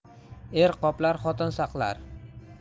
er qoplar xotin saqlar